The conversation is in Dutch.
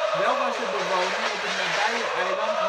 Wel was er bewoning op het nabije eiland Humsterland